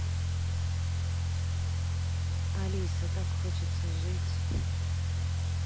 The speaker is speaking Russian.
алиса так хочется жить